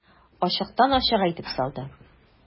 Ачыктан-ачык әйтеп салды.